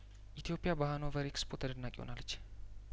ኢትዮጵያ በሀኖቨር ኤክስፖ ተደናቂ ሆናለች